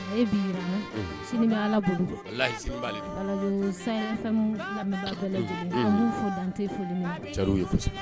Fɔ dante ma